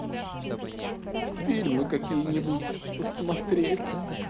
фильмы какие нибудь посмотреть